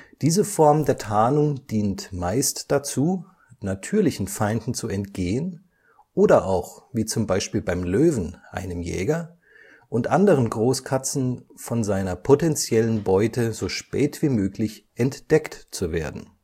Diese Form der Tarnung dient meist dazu, natürlichen Feinden zu entgehen oder auch, wie zum Beispiel beim Löwen (einem Jäger) und anderen Großkatzen, von seiner potenziellen Beute so spät wie möglich entdeckt zu werden